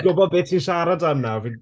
...gwybod beth ti'n siarad am nawr fi'n...